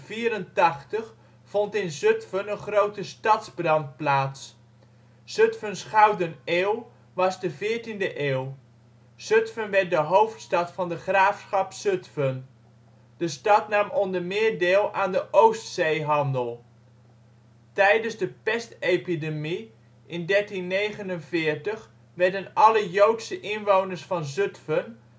1284 vond in Zutphen een grote stadsbrand plaats. Zutphens gouden eeuw was de 14e eeuw. Zutphen werd de hoofdstad van de Graafschap Zutphen. De stad nam onder meer deel aan de Oostzeehandel. Tijdens de pestepidemie in 1349 werden alle joodse inwoners van Zutphen